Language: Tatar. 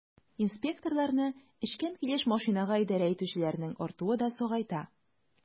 Инспекторларны эчкән килеш машинага идарә итүчеләрнең артуы да сагайта.